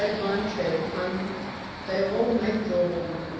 այլ բան չէր, քան տեղով մեկ ժողովուրդը։